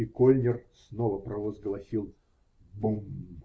И Кольнер снова провозгласил: -- Бум!